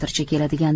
metrcha keladigan